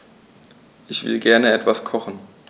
Ich will gerne etwas kochen.